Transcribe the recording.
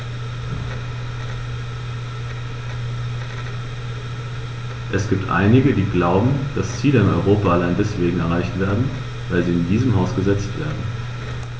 Es gibt einige, die glauben, dass Ziele in Europa allein deswegen erreicht werden, weil sie in diesem Haus gesetzt werden.